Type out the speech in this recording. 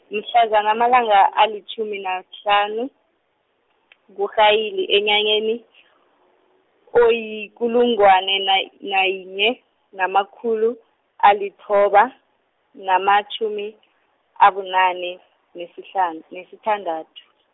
mhlazana amalanga alitjhumi nahlanu, kuMrhayili enyakeni , oyikulungwane nay- nayinye, namakhulu, alithoba, namatjhumi, abunane, nesihlanu, nesithandathu.